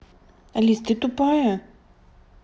алис ты тупая